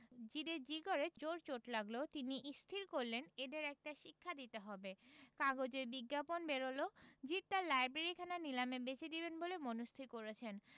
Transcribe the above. জিদে র জিগরে জোর চোট লাগল তিনি স্থির করলেন এদের একটা শিক্ষা দিতে হবে কাগজে বিজ্ঞাপন বেরল জিদ তাঁর লাইব্রেরিখানা নিলামে বেচে দেবেন বলে মনস্থির করেছেন